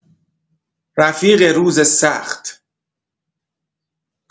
رفیق روز سخت